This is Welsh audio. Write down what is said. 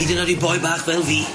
Hyd yn oed i boi bach fel fi.